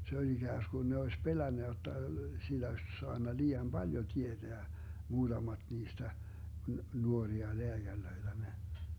se oli ikään kuin ne olisi pelännyt jotta sillä olisi saanut liian paljon tietää muutamat niistä nuoria lääkäreitä ne